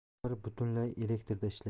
ular butunlay elektrda ishlaydi